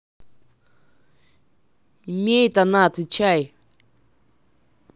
имеет она отвечай